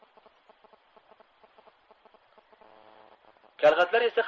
kalxatlar esa